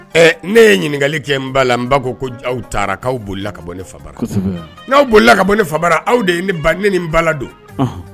Ɛ ne ye ɲininkali kɛ n ba la, n ba ko ko aw taara, k'aw bolila ka bɔ ne fa bara, kosɛbɛ, n'aw bolila ka bɔ ne fa bara, aw de ne ba, ne ni ba ladon?ɔnhɔn.